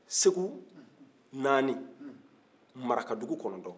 segu naani maraka dugu kɔnɔntɔ